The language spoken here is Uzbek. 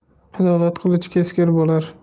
adolat qilichi keskir bo'lar